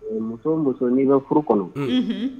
Muso musosoninin bɛ furu kɔnɔ